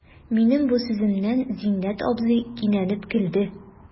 Минем бу сүземнән Зиннәт абзый кинәнеп көлде.